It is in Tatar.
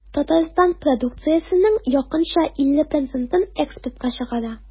Татарстан продукциясенең якынча 50 процентын экспортка чыгара.